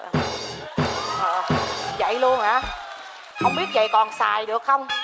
ơi trời ơi dậy luôn hả không biết dậy còn xài được hông